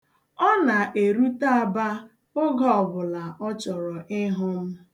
Ọ na-erute Aba oge ọbụla ọ chọrọ ịhụ m.